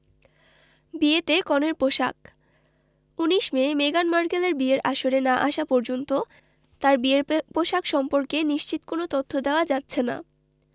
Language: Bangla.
বিয়েতে কনের পোশাক ১৯ মে মেগান মার্কেলের বিয়ের আসরে না আসা পর্যন্ত তাঁর বিয়ের পোশাক সম্পর্কে নিশ্চিত কোনো তথ্য দেওয়া যাচ্ছে না